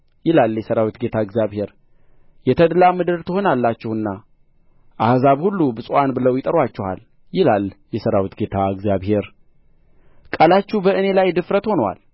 ይላል የሠራዊት ጌታ እግዚአብሔር የተድላ ምድር ትሆናላችሁና አሕዛብ ሁሉ ብፁዓን ብለው ይጠሩአችኋል ይላል የሠራዊት ጌታ እግዚአብሔር ቃላችሁ በእኔ ላይ ድፍረት ሆኖአል